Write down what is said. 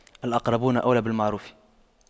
الأقربون أولى بالمعروف